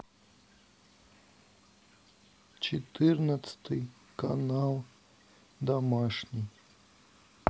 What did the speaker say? четырнадцатый канал домашний